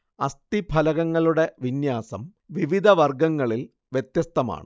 അസ്ഥിഫലകങ്ങളുടെ വിന്യാസം വിവിധ വർഗങ്ങളിൽ വ്യത്യസ്തമാണ്